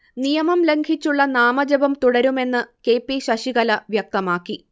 നിയമം ലംഘിച്ചുള്ള നാമജപം തുടരുമെന്ന് കെ പി ശശികല വ്യക്തമാക്കി